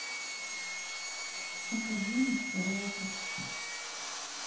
академик саратов